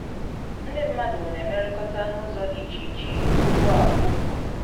“Ndị mmadụ na emerịkọta n’ụzọ dị iche iche” ugbu a, o kwuru.